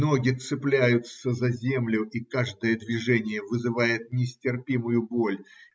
Ноги цепляются за землю, и каждое движение вызывает нестерпимую боль.